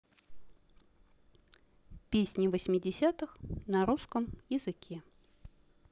песни восьмидесятых на русском языке